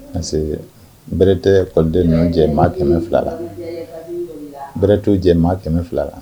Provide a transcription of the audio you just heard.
Parce tɛ kɔden nɔn jɛ maa kɛmɛ filala bɛ tɛ'o jɛ maa kɛmɛ fila la